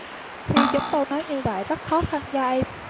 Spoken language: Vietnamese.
khi chúng tôi nói như vậy rất khó khăn cho em